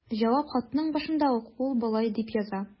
Җавап хатының башында ук ул болай дип яза.